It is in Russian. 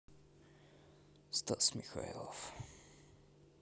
стас михайлов